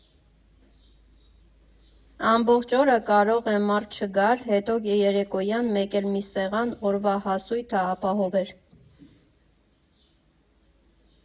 «Ամբողջ օրը կարող է մարդ չգար, հետո երեկոյան մեկ էլ մի սեղան օրվա հասույթը ապահովեր։